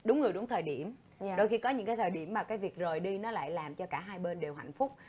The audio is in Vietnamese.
đúng người đúng thời điểm đôi khi có những cái thời điểm mà cái việc rời đi nó lại làm cho cả hai bên đều hạnh phúc